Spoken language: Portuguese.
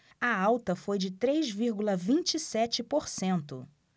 a alta foi de três vírgula vinte e sete por cento